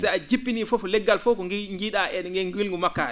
si a jippinii fof le?gal fof ko njii?aa ene ngilngu makkaari